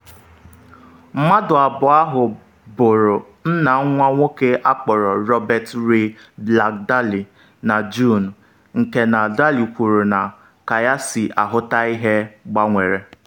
Mmadụ abụọ ahụ bụrụ nna nwa nwoke akpọrọ Robert Ray Black-Daley na Juun- nke na Daley kwuru na “ka ya si ahụta ihe” gbanwere.